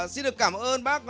xin cảm ơn bác